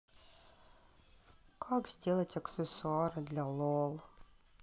как сделать аксессуары для лол